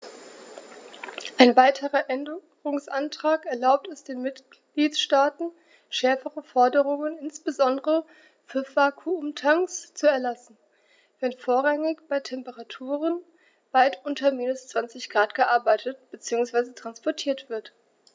Ein weiterer Änderungsantrag erlaubt es den Mitgliedstaaten, schärfere Forderungen, insbesondere für Vakuumtanks, zu erlassen, wenn vorrangig bei Temperaturen weit unter minus 20º C gearbeitet bzw. transportiert wird.